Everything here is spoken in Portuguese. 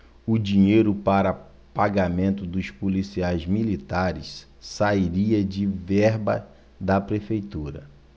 o dinheiro para pagamento dos policiais militares sairia de verba da prefeitura